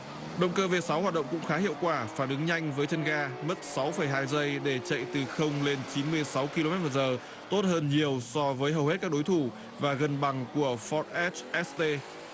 động cơ vê sáu hoạt động cũng khá hiệu quả phản ứng nhanh với chân ga mất sáu phẩy hai giây để chạy từ không lên chín mươi sáu ki lô mét một giờ tốt hơn nhiều so với hầu hết các đối thủ và gần bằng của phót ét ét tê